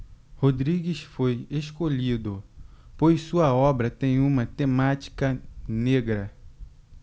rodrigues foi escolhido pois sua obra tem uma temática negra